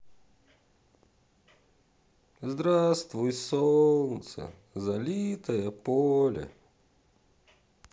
здравствуй солнце залитое поле